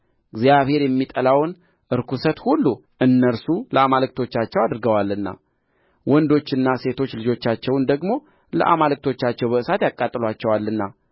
እግዚአብሔር የሚጠላውን ርኵሰት ሁሉ እነርሱ ለአማልክቶቻቸው አድርገዋልና ወንዶችና ሴቶች ልጆቻቸውን ደግሞ ለአማልክቶቻቸው በእሳት ያቃጥሉአቸዋልና